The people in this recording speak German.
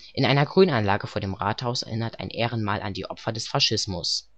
In einer Grünanlage vor dem Rathaus erinnert ein Ehrenmal an die Opfer des Faschismus